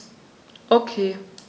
Okay.